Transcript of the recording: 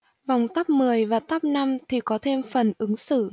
vòng top mười và top năm thì có thêm phần ứng xử